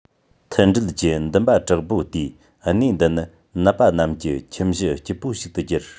མཐུན སྒྲིལ གྱི འདུན པ དྲག པོ དེས གནས འདི ནི ནད པ རྣམས ཀྱི ཁྱིམ གཞི སྐྱིད པོ ཞིག ཏུ གྱུར